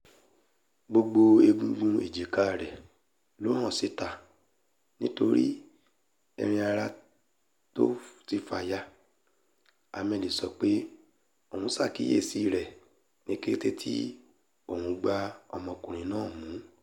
Gbogbo egungun èjìká rẹ̀ ló hàn síta nítorí ẹran ara tó ti fàya,'' Hammel sọ pé òun ṣàkíyèsí rẹ̀ ní kété tí òun gbà ọmọkùnrin náà mú.